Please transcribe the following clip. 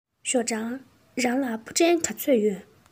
ཞའོ ཀྲང རང ལ ཕུ འདྲེན ག ཚོད ཡོད